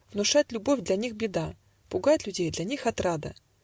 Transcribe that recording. Внушать любовь для них беда, Пугать людей для них отрада.